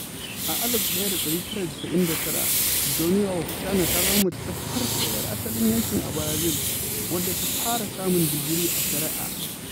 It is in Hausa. A 1997, Joenia Wapichana ta zama mace ta farko 'yar asalin yankin a Barazil wadda ta fara samun digiri a Shari'a.